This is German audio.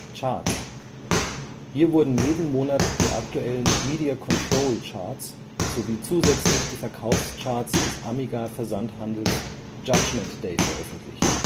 Charts: Hier wurden jeden Monat die aktuellen Media-Control-Charts sowie zusätzlich die Verkaufscharts des Amiga-Versandhandels Judgementday veröffentlicht